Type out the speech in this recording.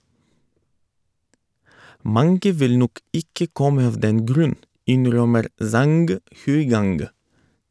Mange vil nok ikke komme av den grunn, innrømmer Zhang Huigang.